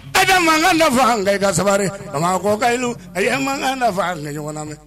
A mankanda ka sabaliri a ma ka a mankanda ɲɔgɔn na mɛn